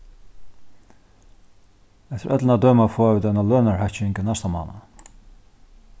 eftir øllum at døma fáa vit eina lønarhækking í næsta mánað